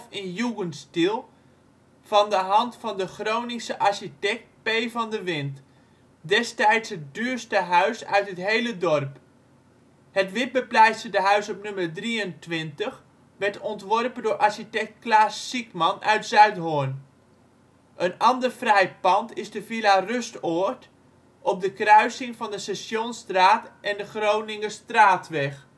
in jugendstil van de hand van de Groningse architect P. van de Wint, destijds het duurste huis uit het hele dorp. Het witbepleisterde huis op nr. 23 werd ontworpen door architect Klaas Siekman uit Zuidhorn. Een ander fraai pand is de villa Rustoord op de kruising van de Stationsstraat met de Groningerstraatweg